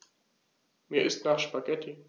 Mir ist nach Spaghetti.